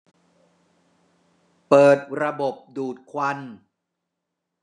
เปิดระบบดูดควัน